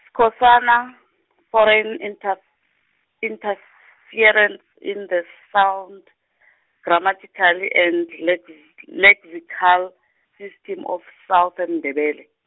Skhosana , Foreign Inter- Interference in the Sound, Grammatical and Lex- Lexical System of Southern Ndebele.